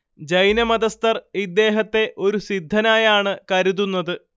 ജൈനമതസ്തർ ഇദ്ദേഹത്തെ ഒരു സിദ്ധനായാണ് കരുതുന്നത്